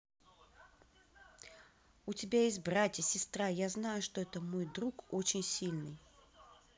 у тебя есть братья сестра я знаю что это мой друг очень сильный